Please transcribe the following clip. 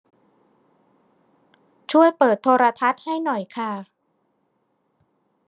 ช่วยเปิดโทรทัศน์ให้หน่อยค่ะ